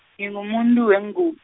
ngingumundu wengu-.